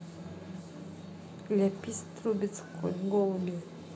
ляпис трубецкой голуби